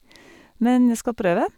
Men jeg skal prøve.